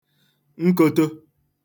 nkōtō